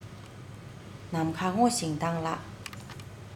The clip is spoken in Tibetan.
ནམ མཁའ སྔོ ཞིང དྭངས ལ